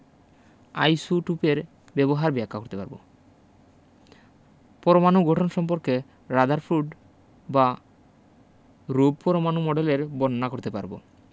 আইসোটুপের ব্যবহার ব্যাখ্যা করতে পারব পরমাণুর গঠন সম্পর্কে রাদারফুর্ড ও রুব পরমাণু মডেলের বর্ণনা করতে পারব